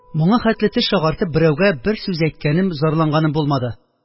Моңа хәтле теш агартып берәүгә бер сүз әйткәнем, зарланганым булмады